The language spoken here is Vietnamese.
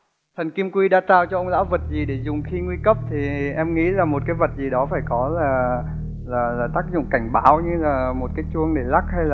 thần kim quy đã trao cho ông lão vật gì để dùng khi nguy cấp thì em nghĩ là một cái vật gì đó phải có là là là tác dụng cảnh báo như là một cái chuông để lắc hay